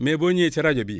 mais boo ñëwee si rajo bii